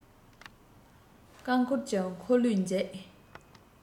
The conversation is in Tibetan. རྐང འཁོར གྱི འཁོར ལོའི འགྱིག